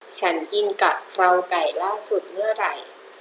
ฉันกินกะเพราไก่ล่าสุดเมื่อไหร่